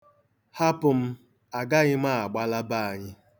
Hapụ m, agaghị agbala be anyị.